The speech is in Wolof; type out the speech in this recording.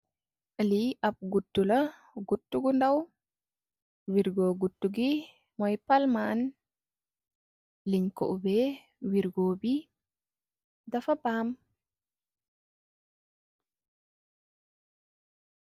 Lii guttu la, guttu bu ndaw, wirgoo guutu bi mooy palmaan, wirgoo bi, dafa baam